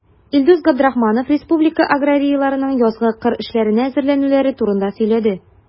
Илдус Габдрахманов республика аграрийларының язгы кыр эшләренә әзерләнүләре турында сөйләде.